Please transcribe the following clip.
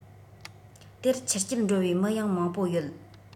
དེར ཆུ རྐྱལ འགྲོ བའི མི ཡང མང པོ ཡོད